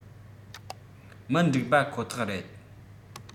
མི འགྲིག པ ཁོ ཐག རེད